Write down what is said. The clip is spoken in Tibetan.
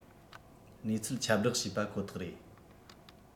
གནས ཚུལ ཁྱབ བསྒྲགས བྱས པ ཁོ ཐག རེད